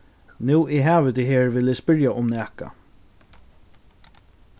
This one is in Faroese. nú eg havi teg her vil eg spyrja um nakað